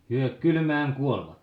he kylmään kuolivat